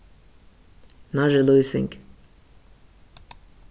nærri lýsing